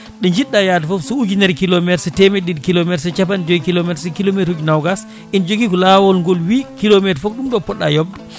ɗo jiɗɗa haade foof so ujunere kilométre so temedde ɗiɗi kilométre so capanɗe jooyi kilométre so kilométre uji nogas ene joogui ko lawol ngol wii kilométre foof ko ɗum ɗo poɗɗa yobde